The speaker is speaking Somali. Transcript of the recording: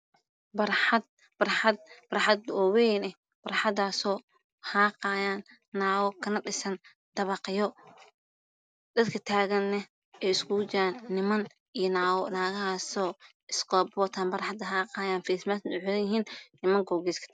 Barxad weyn ka dhisan dabaqyo iskooto wataan banaanka xaaqayaan